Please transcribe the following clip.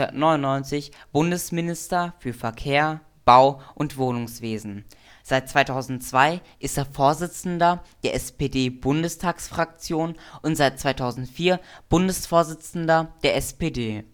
1999 Bundesminister für Verkehr, Bau - und Wohnungswesen. Seit 2002 ist er Vorsitzender der SPD-Bundestagsfraktion und seit 2004 Bundesvorsitzender der SPD